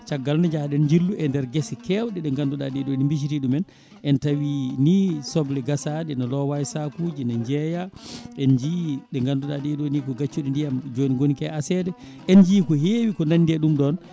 caggal nde jayɗen jillu e nder guese kewɗe ɗe ganduɗa ɗeɗo ni en visite ɗumen en tawi ni soble gasaɗe ne loowa e sakuji ene jeeya en jii ɗe ganduɗa ɗe ɗo ni ko gaccuɗe ndiyam joni woni koye asede en jii ko heewi ko nandi e ɗum ɗon